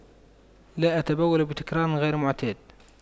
لا أتبول بتكرار غير معتاد